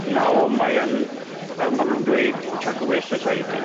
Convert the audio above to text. Nawr mae yn fel ma' nw'n dweud chuck away society.